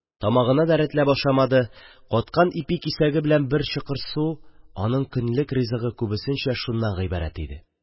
Тамагына да рәтләп ашамады: каткан ипи кисәге белән бер чокыр су – аның көнлек ризыгы күбесенчә шуннан гыйбарәт иде.